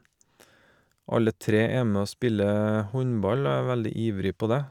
Alle tre er med og spiller håndball og er veldig ivrig på dét.